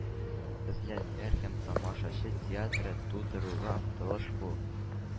Эзләнүләр һәм тамашачы театры тудыруга омтылыш бу.